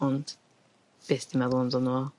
Ond byth 'di meddwl amdano fo.